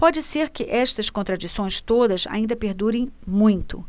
pode ser que estas contradições todas ainda perdurem muito